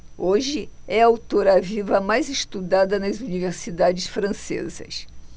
hoje é a autora viva mais estudada nas universidades francesas